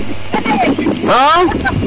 a